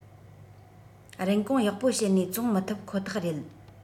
རིན གོང ཡག པོ བྱེད ནས བཙོང མི ཐུབ ཁོ ཐག རེད